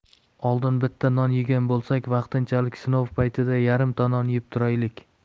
oldin bitta non yegan bo'lsak vaqtinchalik sinov paytida yarimta non yeb turaylik